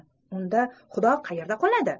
unda xudo qayerda qoladi